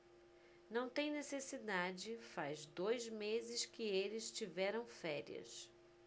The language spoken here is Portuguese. não tem necessidade faz dois meses que eles tiveram férias